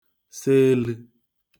se elė